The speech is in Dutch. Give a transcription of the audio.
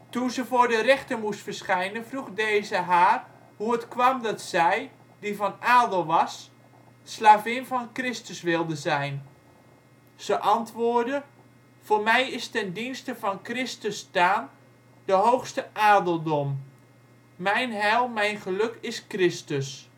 Toen ze voor de rechter moest verschijnen vroeg deze haar hoe het kwam dat zij, die van adel was, slavin van Christus wilde zijn. Ze antwoordde: " Voor mij is ten dienste van Christus staan de hoogste adeldom. Mijn heil, mijn geluk is Christus